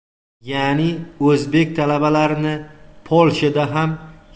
ya'ni o'zbek talabalarini polshada